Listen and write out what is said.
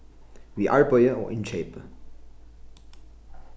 við arbeiði og innkeypi